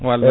wallay